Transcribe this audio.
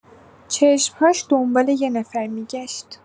چشم‌هاش دنبال یه نفر می‌گشت.